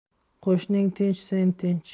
qo'shning tinch sen tinch